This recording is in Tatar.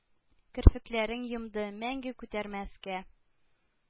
Керфекләрен йомды, мәңге күтәрмәскә...